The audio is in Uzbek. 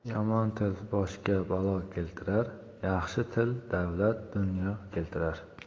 yomon til boshga balo keltirar yaxshi til davlat dunyo keltirar